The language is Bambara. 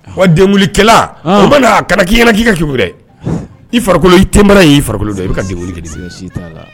Wakɛla k'i ɲɛna k ii ka i fara i tɛbara y' fara i